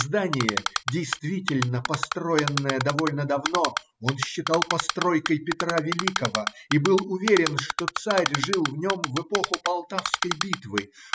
здание, действительно построенное довольно давно, он считал постройкой Петра Великого и был уверен, что царь жил в нем в эпоху Полтавской битвы.